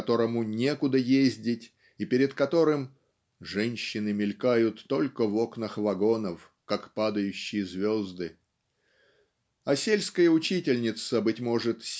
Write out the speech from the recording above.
которому некуда ездить и перед которым "женщины мелькают только в окнах вагонов как падающие звезды". А сельская учительница быть может